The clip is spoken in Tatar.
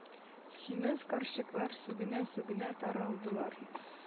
Симез карчыклар сүгенә-сүгенә таралдылар.